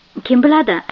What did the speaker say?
kim biladi